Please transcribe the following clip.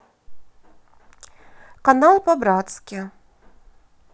канал по братски